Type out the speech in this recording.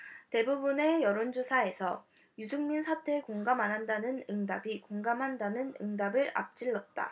대부분의 여론조사에서 유승민 사퇴에 공감 안 한다는 응답이 공감한다는 응답을 앞질렀다